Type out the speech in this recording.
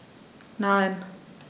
Nein.